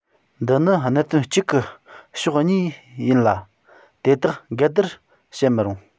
འདི ནི གནད དོན གཅིག གི ཕྱོགས གཉིས ཡིན ལ དེ དག འགལ ཟླར བྱེད མི རུང